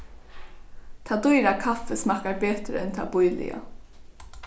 tað dýra kaffið smakkar betur enn tað bíliga